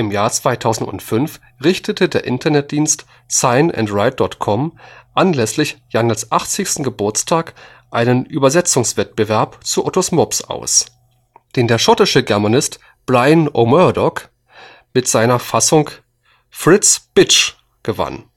Jahr 2005 richtete der Internetdienst signandsight.com anlässlich Jandls 80. Geburtstag einen Übersetzungswettbewerb zu ottos mops aus, den der schottische Germanist Brian O. Murdoch mit seiner Fassung fritz’ s bitch gewann